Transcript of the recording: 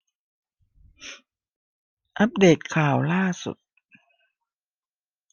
อัพเดตข่าวล่าสุด